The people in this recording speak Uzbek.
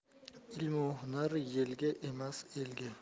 ilm u hunar yelga emas elga